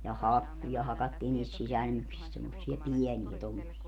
ja hakkuja hakattiin niistä sisälmyksistä semmoisia pieniä tuommoisia